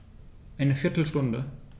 Eine viertel Stunde